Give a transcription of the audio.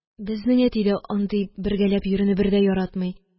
Безнең әти дә андый бергәләп йөрүне бер дә яратмый